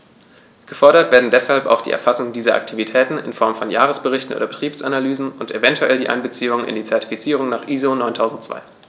Gefordert werden deshalb auch die Erfassung dieser Aktivitäten in Form von Jahresberichten oder Betriebsanalysen und eventuell die Einbeziehung in die Zertifizierung nach ISO 9002.